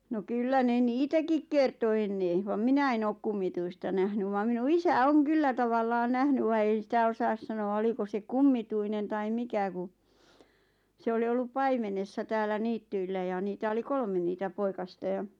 no kyllä ne niitäkin kertoi ennen vaan minä en ole kummituista nähnyt vaan minun isä on kyllä tavallaan nähnyt vaan ei sitä osaa sanoa oliko se kummituinen tai mikä kun se oli ollut paimenessa täällä niityillä ja niitä oli kolme niitä poikasta ja